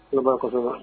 Ne ko kosɛbɛ